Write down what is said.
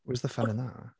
Where's the fun in that?